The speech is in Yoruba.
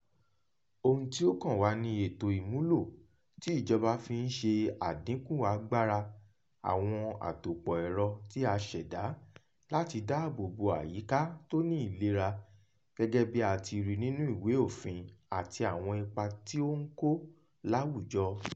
Ohun tí ó kàn wá ni ètò ìmúlò tí ìjọba fi ń ṣe àdínkù agbára àwọn àtòpọ̀ ẹ̀rọ tí a ṣẹ̀dá láti dáàbò bo àyíká tó ní ìlera, gẹ́gẹ́ bí a ti rí i nínú ìwé òfin àti àwọn ipa tí ó ń kó láwùjọ.